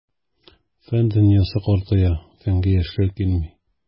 Фән дөньясы картая, фәнгә яшьләр килми.